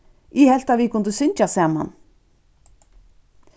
eg helt at vit kundu syngja saman